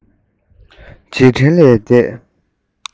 སེམས པ སྟོང ལྷང ལྷང དུ གྱུར